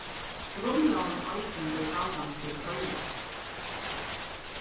grundlógin eisini er galdandi fyri føroyar